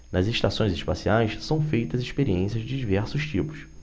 nas estações espaciais são feitas experiências de diversos tipos